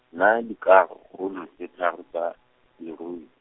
naya dikaro rolo e tsa ro- tha, lerui.